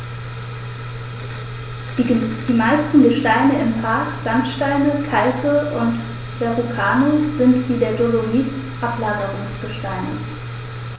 Die meisten Gesteine im Park – Sandsteine, Kalke und Verrucano – sind wie der Dolomit Ablagerungsgesteine.